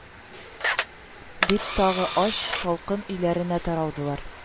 – дип, тагы ач, салкын өйләренә таралдылар